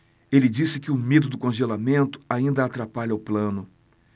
ele disse que o medo do congelamento ainda atrapalha o plano